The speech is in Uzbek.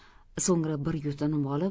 so'ngra bir yutinib olib